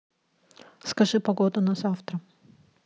скажи погоду на завтра